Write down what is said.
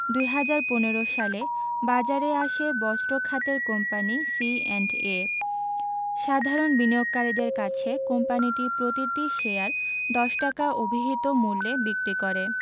২০১৫ সালে বাজারে আসে বস্ত্র খাতের কোম্পানি সিঅ্যান্ডএ সাধারণ বিনিয়োগকারীদের কাছে কোম্পানিটি প্রতিটি শেয়ার ১০ টাকা অভিহিত মূল্যে বিক্রি করে